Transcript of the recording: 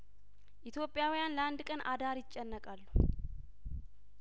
ኢትዮጵያውያን ለአንድ ቀን አዳር ይጨነቃሉ